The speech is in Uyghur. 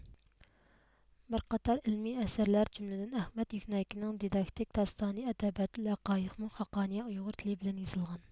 بىر قاتار ئىلمىي ئەسەرلەر جۈملىدىن ئەخمەت يۈكنەكىنىڭ دىداكتىك داستانى ئەتەبەتۇل ھەقايىقمۇ خاقانىيە ئۇيغۇر تىلى بىلەن يېزىلغان